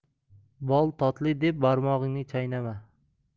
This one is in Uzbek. bol totli deb barmog'ingni chaynama